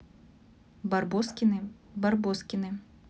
барбоскины барбоскины